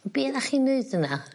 Ne nach chi neud yna?